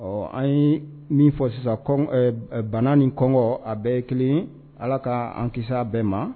Ɔɔ an yee min fɔ sisan kɔŋ ɛɛ b ɛ bana ni kɔngɔɔ a bɛɛ ye 1 ye Ala kaa an kis'a bɛɛ ma